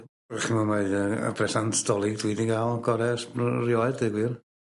Rych chi y presant 'Dolig dwi 'di ga'l gore ers erioed deu gwir.